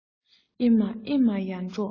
ཨེ མ ཨེ མ ཡར འབྲོག